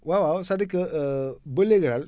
waawaa c' est à dire que ba léegi daal